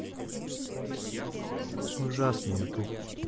ужасный ютуб